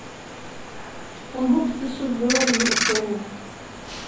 hon hugdi so løgið upp á hann